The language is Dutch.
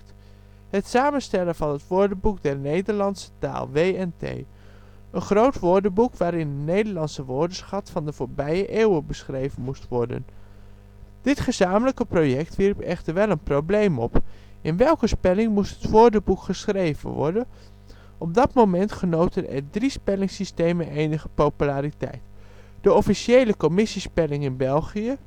samenstellen van het Woordenboek der Nederlandsche Taal (WNT), een groot woordenboek waarin de Nederlandse woordenschat van de voorbije eeuwen beschreven moest worden. Dit gezamenlijke project wierp echter wel een probleem op: in welke spelling moest het woordenboek geschreven worden? Op dat moment genoten er drie spellingsystemen enige populariteit: de officiële commissiespelling in België